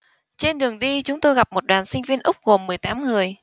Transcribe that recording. trên đường đi chúng tôi gặp một đoàn sinh viên úc gồm mười tám người